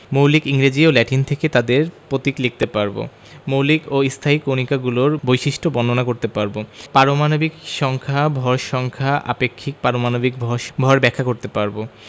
⦁ মৌলের ইংরেজি ও ল্যাটিন নাম থেকে তাদের প্রতীক লিখতে পারব ⦁ মৌলিক ও স্থায়ী কণিকাগুলোর বৈশিষ্ট্য বর্ণনা করতে পারব ⦁ পারমাণবিক সংখ্যা ভর সংখ্যা আপেক্ষিক পারমাণবিক ভর ব্যাখ্যা করতে পারব